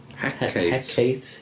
Hecate... Hecate.